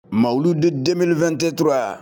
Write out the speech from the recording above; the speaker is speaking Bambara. Mawuludi 2023 .